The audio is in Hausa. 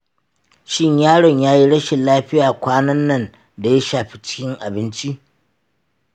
shin yaron ya yi rashin lafiya kwanan nan da ya shafi cin abinci?